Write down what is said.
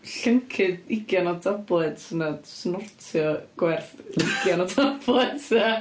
Llyncu ugain o tablets na snortio gwerth ugain o tablets, ia !